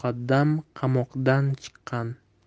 muqaddam qamoqdan chiqqan